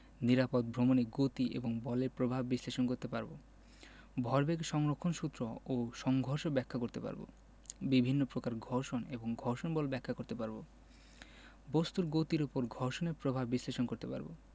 নিরাপদ ভ্রমণে গতি এবং বলের প্রভাব বিশ্লেষণ করতে পারব ভরবেগের সংরক্ষণ সূত্র ও সংঘর্ষ ব্যাখ্যা করতে পারব বিভিন্ন প্রকার ঘর্ষণ এবং ঘর্ষণ বল ব্যাখ্যা করতে পারব বস্তুর গতির উপর ঘর্ষণের প্রভাব বিশ্লেষণ করতে পারব